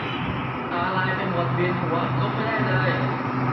ตาลายไปหมดเวียนหัวลุกไม่ได้เลย